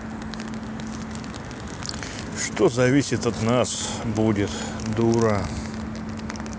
что зависит от нас будет дура